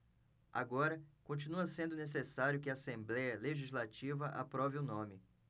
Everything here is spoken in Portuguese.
agora continua sendo necessário que a assembléia legislativa aprove o nome